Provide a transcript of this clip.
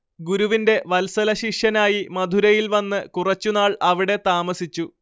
ഗുരുവിന്റെ വത്സലശിഷ്യനായി മധുരയിൽ വന്ന് കുറച്ചുനാൾ അവിടെ താമസിച്ചു